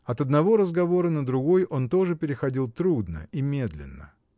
От одного разговора на другой он тоже переходил трудно и медленно.